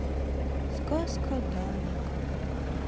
сказка даник